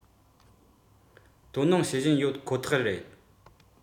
ལས སྒོ སྒོ བརྒྱབ པ ཁོ ཐག རེད